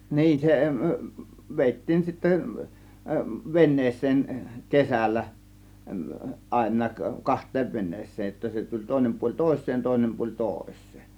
niin se - vedettiin sitten veneeseen kesällä aina kahteen veneeseen jotta se tuli toinen puoli toiseen toinen puoli toiseen